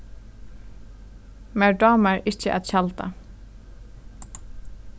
mær dámar ikki at tjalda